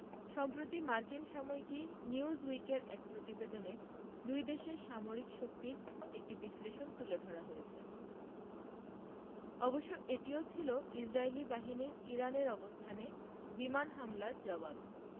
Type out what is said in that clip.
সম্প্রতি মার্কিন সাময়িকী নিউজউইকের এক প্রতিবেদনে দুই দেশের সামরিক শক্তির একটি বিশ্লেষণ তুলে ধরা হয়েছে অবশ্য এটিও ছিল ইসরায়েলি বাহিনীর ইরানের অবস্থানে বিমান হামলার জবাব